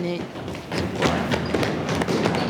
néek ci booram.